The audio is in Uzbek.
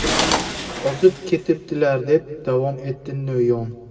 ozib ketibdilar deb davom etdi no'yon